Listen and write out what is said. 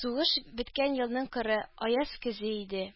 Сугыш беткән елның коры, аяз көзе иде.